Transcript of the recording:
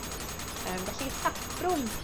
Yym felly saffrwm